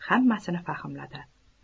hammasini fahmladi